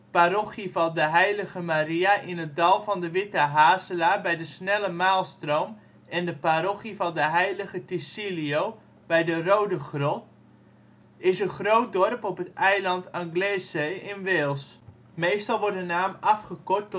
Parochie van de Heilige Maria in het dal van de witte hazelaar bij de snelle maalstroom en de parochie van de Heilige Tysilio bij de rode grot (ook wel als Llanfairpwllgwyngyllgogerychwyrndrobwyllllantysiliogogogoch gespeld) is een groot dorp op het eiland Anglesey, in Wales. Meestal wordt de naam afgekort